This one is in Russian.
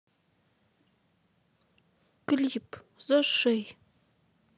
клип зашей